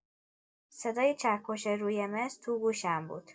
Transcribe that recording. صدای چکش روی مس تو گوشم بود.